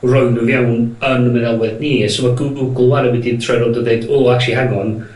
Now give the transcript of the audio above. roid nw fewn yn meddalwedd ni, so ma' Google 'wan yn mynd i troi rownd a deud oh actually hang on